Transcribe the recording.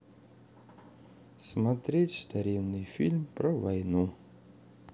смотреть старинные фильмы про войну